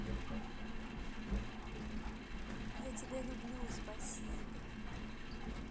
я тебя люблю спасибо